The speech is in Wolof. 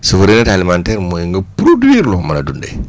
souveraineté alimentaire mooy nga produire loo mun a dundee